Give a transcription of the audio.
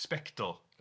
sbectol,